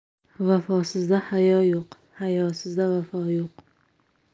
vafosizda hayo yo'q hayosizda vafo yo'q